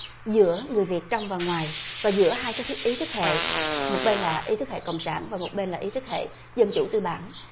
giữa người việt trong và ngoài ra giữa hai cái ý thức hệ một bên là ý thức hệ cộng sản và một bên là ý thức hệ dân chủ tư bản